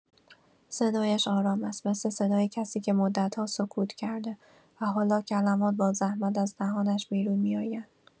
صدایش آرام است، مثل صدای کسی که مدت‌ها سکوت کرده و حالا کلمات با زحمت از دهانش بیرون می‌آیند.